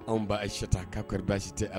Anw ba ayi sita kakari tɛ ala